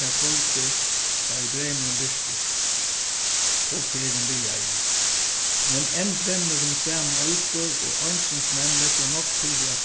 tað kvøldið tá ið dreymurin birtist og ferðin byrjaði men enn brennur hin sami eldur og ormsins menn leggja nógv fyri at